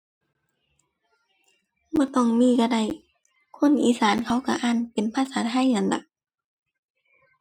บ่ต้องมีก็ได้ คนอีสานเขาก็อ่านเป็นภาษาไทยนั่นล่ะ